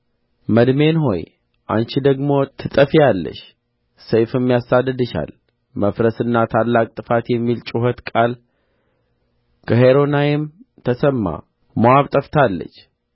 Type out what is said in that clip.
መድሜን ሆይ አንቺ ደግሞ ትጠፊአለሽ ሰይፍም ያሳድድሻል መፍረስና ታላቅ ጥፋት የሚል የጩኸት ቃል ከሖሮናይም ተሰማ ሞዓብ ጠፍታለች